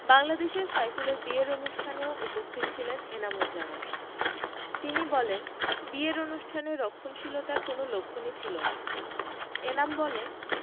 বাংলাদেশে সাইফুলের বিয়ের অনুষ্ঠানেও উপস্থিত ছিলেন এনাম উজজামান তিনি বলেন বিয়ের অনুষ্ঠানে রক্ষণশীলতার কোনো লক্ষণই ছিল না এনাম বলেন